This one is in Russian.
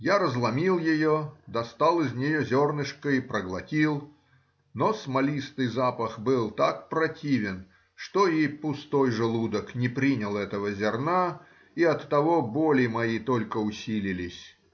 Я разломил ее, достал из нее зернышко и проглотил, но смолистый запах был так противен, что и пустой желудок не принял этого зерна, и оттого боли мои только усилились.